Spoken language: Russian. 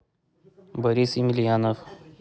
борис емельянов